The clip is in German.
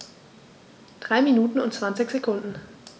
3 Minuten und 20 Sekunden